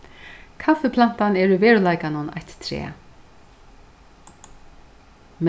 kaffiplantan er í veruleikanum eitt træ